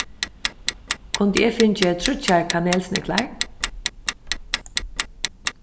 kundi eg fingið tríggjar kanelsniglar